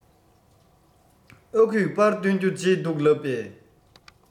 ཨ ཁུས པར བཏོན རྒྱུ བརྗེད འདུག ལབ པས